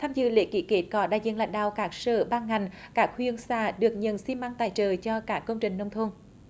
tham dự lễ ký kết có đại diện lãnh đạo các sở ban hành các huyện xã được nhận xi măng tài trợ cho các công trình nông thôn